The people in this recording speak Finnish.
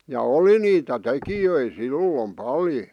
ja oli niitä tekijöitä silloin paljon